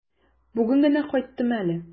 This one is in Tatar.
Бүген генә кайттым әле.